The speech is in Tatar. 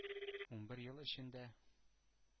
Унбер ел эчендә